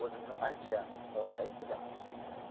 o'zimni anch o'ng'ay sezaman